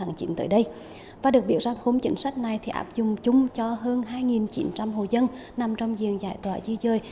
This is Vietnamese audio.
tháng chín tới đây và được biết rằng khung chính sách này thì áp dụng chung cho hơn hai nghìn chín trăm hộ dân nằm trong diện giải tỏa di dời